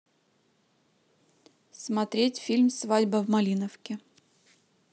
смотреть фильм свадьба в малиновке